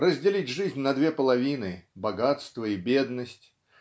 Разделить жизнь на две половины - богатство и бедность